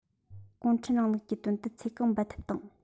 གུང ཁྲན རིང ལུགས ཀྱི དོན དུ ཚེ གང འབད འཐབ དང